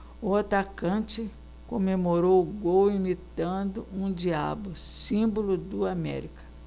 o atacante comemorou o gol imitando um diabo símbolo do américa